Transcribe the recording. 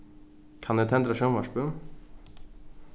kann eg tendra sjónvarpið